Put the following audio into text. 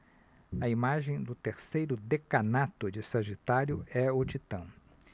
a imagem do terceiro decanato de sagitário é o titã